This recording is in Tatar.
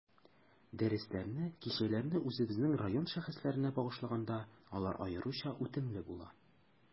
Дәресләрне, кичәләрне үзебезнең район шәхесләренә багышлаганда, алар аеруча үтемле була.